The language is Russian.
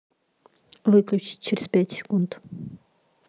выключи через пять секунд